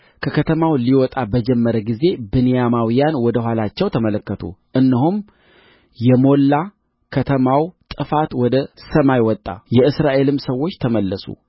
ከከተማው ሊወጣ በጀመረ ጊዜ ብንያማውያን ወደ ኋላቸው ተመለከቱ እነሆም የሞላ ከተማው ጥፋት ወደ ሰማይ ወጣ የእስራኤልም ሰዎች ተመለሱ